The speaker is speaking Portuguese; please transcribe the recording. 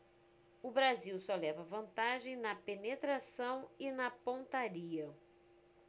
o brasil só leva vantagem na penetração e na pontaria